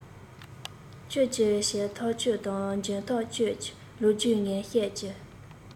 ཁྱོད ཀྱིས བྱས ཐག ཆོད དང འཇོན ཐག ཆོད ཀྱི ལོ རྒྱུས ངས བཤད ཀྱིས